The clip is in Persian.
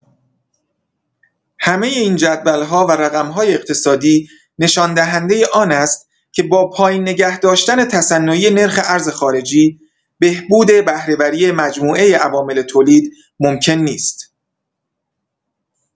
همۀ این جدول‌ها و رقم‌های اقتصادی نشان‌دهندۀ آن است که با پایین نگاه‌داشتن تصنعی نرخ ارز خارجی، بهبود بهره‌وری مجموعۀ عوامل تولید، ممکن نیست.